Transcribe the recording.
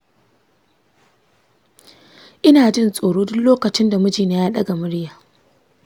ina jin tsoro duk lokacin da mijina ya ɗaga murya.